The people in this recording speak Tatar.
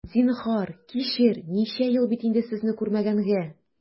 Зинһар, кичер, ничә ел бит инде сезне күрмәгәнгә!